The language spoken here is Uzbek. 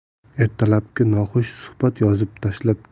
ertalabki noxush suhbat yozib tashlab